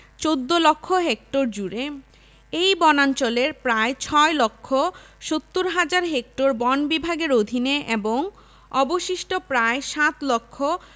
১৪ lakh hectare জুড়ে এই বনাঞ্চলের প্রায় ৬ লক্ষ ৭০ হাজার হেক্টর বন বিভাগের অধীনে এবং অবশিষ্ট প্রায় ৭ লক্ষ